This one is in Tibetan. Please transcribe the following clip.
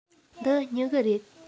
འདི སྨྱུ གུ རེད